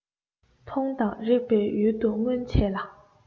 མཐོང དང རེག པའི ཡུལ དུ མངོན བྱས ལ